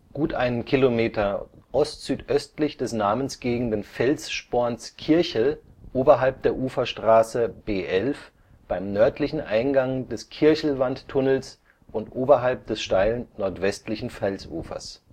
gut einen Kilometer ostsüdöstlich des namensgebenden Felssporns Kirchel oberhalb der Uferstraße (B 11) beim nördlichen Eingang des Kirchelwandtunnels und oberhalb des steilen nordwestlichen Felsufers